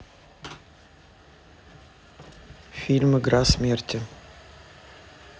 фильм игра смерти